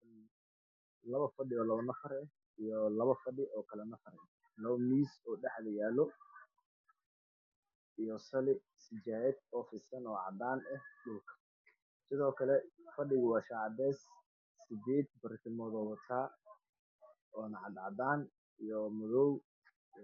labo fadhi oo labo nafar eh iyo labo fadhi oo kala nafer eh oo iyo labo miiska dhex yaalo iyo salli iyo sidaayad oo fiddan oo cadaan ah sidoo kle fadhiga waa cadays 8 barkimood buu wataa waana cad cadaan iyo madow